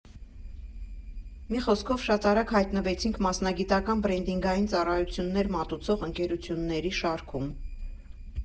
Մի խոսքով, շատ արագ հայտնվեցինք մասնագիտական բրենդինգային ծառայություններ մատուցող ընկերությունների շարքում։